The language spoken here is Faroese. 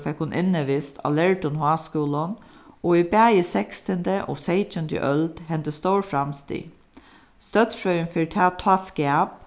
fekk hon innivist á lærdum háskúlum og í bæði sekstandu og seytjandu øld hendu stór framstig støddfrøðin fær tað tá skap